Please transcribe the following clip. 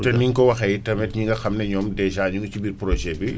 te ni nga ko waxee itamit ñi nga xam ne ñoom dèjà ñu ngi ci bir projet bi